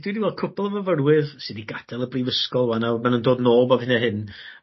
...dwi 'di weld cwpwl o fyfyrwyr sy 'di gadel y brifysgol ŵan a w- ma' nw'n dod nôl bob hyn a hyn